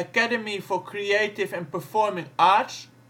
Academy for Creative and Performing Arts (voormalig